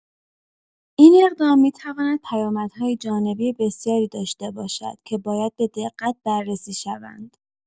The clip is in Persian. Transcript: این اقدام می‌تواند پیامدهای جانبی بسیاری داشته باشد که باید به‌دقت بررسی شوند.